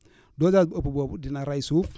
dosage bu ëpp boobu dina rey suuf